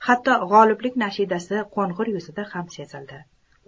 hatto g'oliblik nashidasi qo'ng'ir yuzida ham sezildi